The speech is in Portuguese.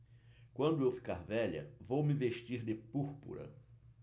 quando eu ficar velha vou me vestir de púrpura